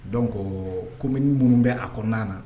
Dɔn ko kom minnu bɛ a kɔnɔna na